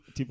tiiba